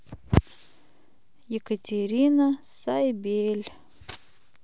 екатерина сайбель